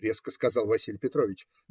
- резко сказал Василий Петрович.